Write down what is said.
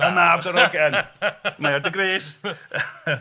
Y Mab Darogan. Mae o ar dy grys